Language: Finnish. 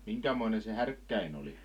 minkämoinen se härkkäin oli